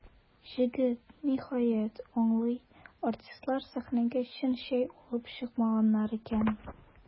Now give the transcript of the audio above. Җегет, ниһаять, аңлый: артистлар сәхнәгә чын чәй алып чыкмаганнар икән.